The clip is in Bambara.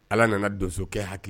Ala nana donsokɛ hakili